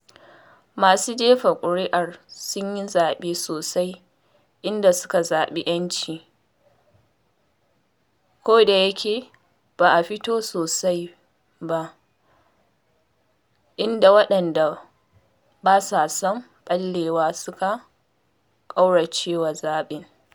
Masu jefa ƙuri’ar sun yi zaɓe sosai inda suka zaɓi ‘yanci kodayake ba a fito sosai ba inda waɗanda ba sa son ɓallewa suka ƙauracewa zaɓen.